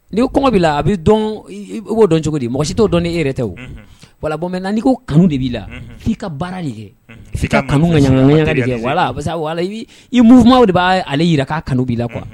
Ni kɔngɔ b'i la a bɛ dɔn cogo di mɔgɔ si t'o dɔn n'i e yɛrɛ tɛ, unhun, wala maintenant n'i ko ko kanu de b'i la f'i ka baara de kɛ, unhun, walla, i mouvement de b'a ale jira k'a kanu b' la quoi .